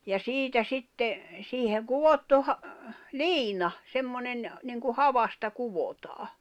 ja siitä sitten siihen kudottu - liina semmoinen niin kuin havasta kudotaan